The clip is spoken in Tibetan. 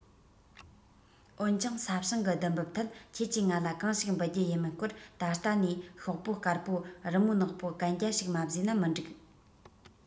འོན ཀྱང ས ཞིང གི བསྡུ འབབ ཐད ཁྱེད ཀྱི ང ལ གང ཞིག འབུལ རྒྱུ ཡིན མིན སྐོར ད ལྟ ནས ཤོག པོ དཀར པོར རི མོ ནག པོའི གན རྒྱ ཞིག མ བཟོས ན མི འགྲིག